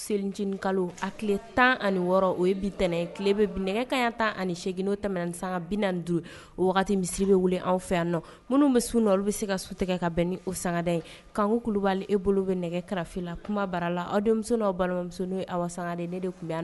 Sencinin kalo a tile tan ani wɔɔrɔ o ye bi ntɛnɛn nɛgɛ kaya tan ani8egin tɛmɛn san4 dun misi bɛ wele anw fɛ yan nɔ minnu bɛ sun na olu bɛ se ka su tigɛ ka bɛn ni o sagada ye'ku kulubali e bolo bɛ nɛgɛ kari la kuma bara la o denmuso' balima wa saga de tun